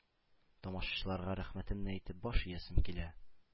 Тамашачыларга рәхмәтемне әйтеп баш иясем килә.